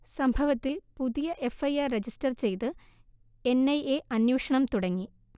സംഭവത്തിൽ പുതിയ F I R register ചെയ്ത് എൻ ഐ എ അന്വേഷണം തുടങ്ങി